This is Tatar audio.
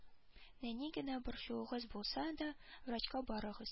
Нәни генә борчуыгыз булса да врачка барыгыз